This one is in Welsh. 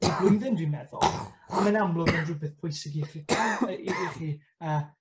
bob blwyddyn dwi'n meddwl a mae'n amlwg yn rhwbeth bwysig i chi cof yy i i chi yy